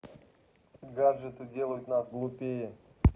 гаджеты делают нас глупее